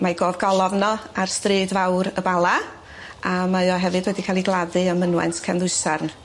Mae gofgolofn o ar stryd fawr y Bala a mae o hefyd wedi ca'l 'i gladdu ym mynwent Cefn Ddwysarn.